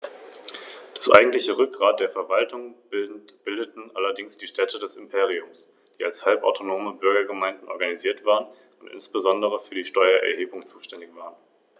Handel, Künste und Kultur erreichten während der Zeit des Römischen Reiches, vor allem in der Kaiserzeit, in Teilen seines Gebietes eine Hochblüte, die damalige Lebensqualität und der entsprechende Bevölkerungsstand sollten in Europa und Nordafrika erst Jahrhunderte später wieder erreicht werden.